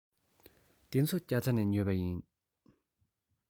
འདི ཚོ ནི རྒྱ ཚ ནས ཉོས པ ཡིན